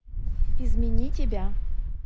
измени тебя